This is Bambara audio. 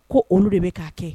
Ko olu de bɛ' kɛ